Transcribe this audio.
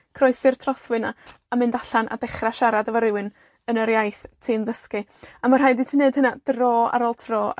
Croesi'r trothwy 'na, a mynd allan a dechra siarad efo rywun, yn yr iaith ti'n ddysgu. A ma' rhaid i ti neud hynna dro ar ôl tro